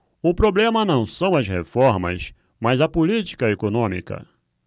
o problema não são as reformas mas a política econômica